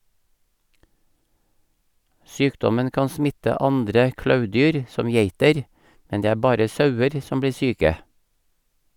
Sykdommen kan smitte andre klauvdyr som geiter , men det er bare sauer som blir syke.